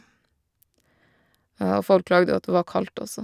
Og folk klagde jo at det var kaldt, også.